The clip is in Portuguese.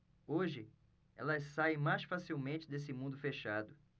hoje elas saem mais facilmente desse mundo fechado